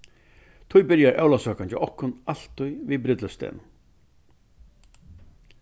tí byrjar ólavsøkan hjá okkum altíð við brúdleypsdegnum